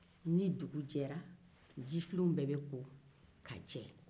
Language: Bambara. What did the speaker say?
ni dugujɛra jifilenw bɛɛ bɛ ko ka jɛ